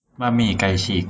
บะหมี่ไก่ฉีก